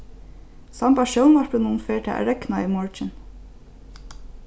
sambært sjónvarpinum fer tað at regna í morgin